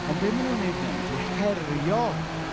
Ond be maen nhw'n wneud fan hyn ydi herio...